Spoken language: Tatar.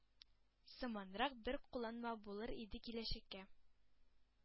Сыманрак бер кулланма булыр иде киләчәккә.